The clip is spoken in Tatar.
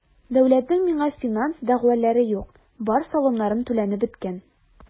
Дәүләтнең миңа финанс дәгъвалары юк, бар салымнарым түләнеп беткән.